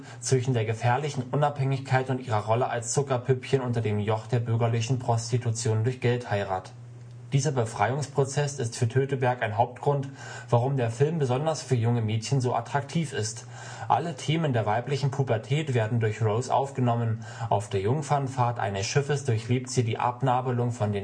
bürgerlichen Prostitution durch Geldheirat. “Dieser Befreiungsprozess ist für Töteberg ein Hauptgrund, warum der Film besonders für junge Mädchen so attraktiv ist. Alle Themen der weiblichen Pubertät werden durch Rose aufgenommen. Auf der Jungfernfahrt eines Schiffes durchlebt sie die Abnabelung von